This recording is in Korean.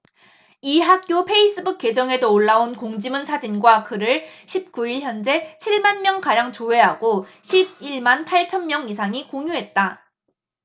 이 학교 페이스북 계정에도 올라온 공지문 사진과 글을 십 구 일 현재 칠 만 명가량 조회하고 십 일 만 팔 천 명 이상이 공유했다